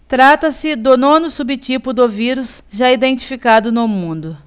trata-se do nono subtipo do vírus já identificado no mundo